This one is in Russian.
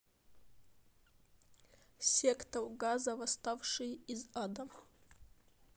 сектор газа восставшие из ада